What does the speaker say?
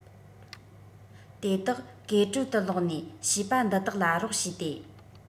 དེ དག ཀུའེ ཀྲོའུ དུ ལོག ནས བྱིས པ འདི དག ལ རོགས བྱས ཏེ